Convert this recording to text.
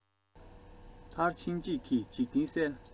མཐར ཕྱིན གཅིག གིས འཇིག རྟེན གསལ